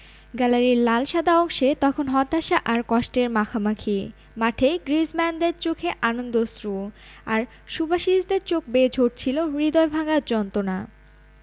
গ্যালারির লাল সাদা অংশে তখন হতাশা আর কষ্টের মাখামাখি মাঠে গ্রিজমানদের চোখে আনন্দ অশ্রু আর সুবাসিচদের চোখ বেয়ে ঝরছিল হৃদয় ভাঙার যন্ত্রণা